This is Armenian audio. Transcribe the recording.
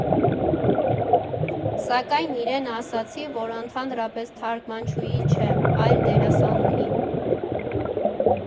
Սակայն իրեն ասացի, որ ընդհանրապես թարգմանչուհի չեմ, այլ դերասանուհի։